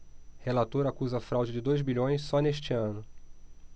relator acusa fraude de dois bilhões só neste ano